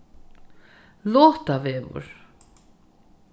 lotavegur